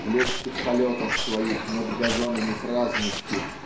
в легких полетах своих над газонами праздности